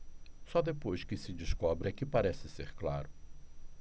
só depois que se descobre é que parece ser claro